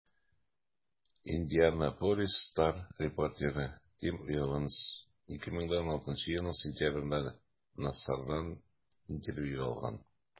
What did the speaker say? «индианаполис стар» репортеры тим эванс 2016 елның сентябрендә нассардан интервью алган.